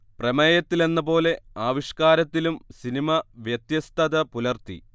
പ്രമേയത്തിലെന്ന പോലെ ആവിഷ്കാരത്തിലും സിനിമ വ്യത്യസ്തത പുലർത്തി